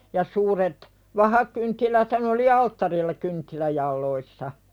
ja suuret vahakynttiläthän oli alttarilla kynttilänjaloissa